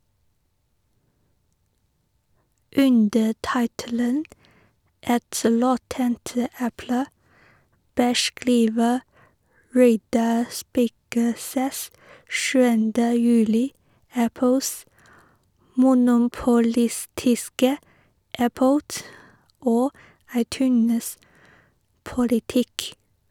Under tittelen «Et råttent eple» beskriver Reidar Spigseth 7. juli Apples monopolistiske iPod- og iTunes-politikk.